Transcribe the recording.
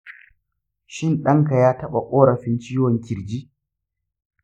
shin ɗanka ya taɓa korafin ciwon kirji?